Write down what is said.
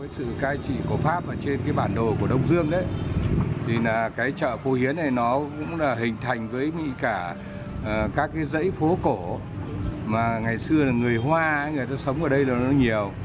sự cai trị của pháp ở trên cái bản đồ của đông dương ấy thì là cái chợ phố hiến này nó cũng là hình thành với cả các cái dãy phố cổ mà ngày xưa là người hoa người ta sống ở đây là nó nhiều